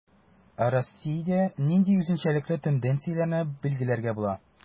Ә Россиядә нинди үзенчәлекле тенденцияләрне билгеләргә була?